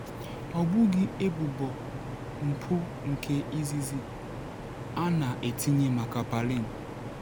Ọ bụghị ebubo mpụ nke izizi a na etinye maka Palin.